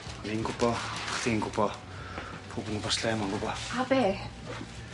Ni'n gwbo. Chdi'n gwbo. Pobol gwmpas lle 'ma'n gwbo. A be'?